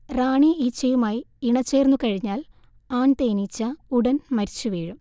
റാണി ഈച്ചയുമായി ഇണചേർന്നുകഴിഞ്ഞാൽ ആൺ തേനീച്ച ഉടൻ മരിച്ചുവീഴും